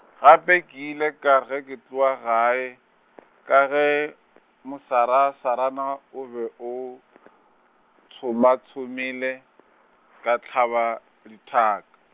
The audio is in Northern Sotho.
gape ke ile ka ge ke tloga gae , ka ge mosarasarana o be o , tshomatshomile, ka hlaba dithak-.